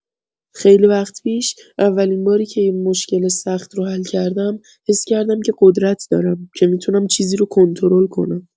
خیلی وقت پیش، اولین باری که یه مشکل سخت رو حل کردم، حس کردم که قدرت دارم، که می‌تونم چیزی رو کنترل کنم.